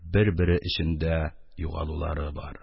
Бер-бере эчендә югалулары бар.